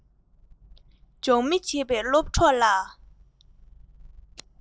ཇོག མི བྱེད པའི སློབ གྲོགས ལ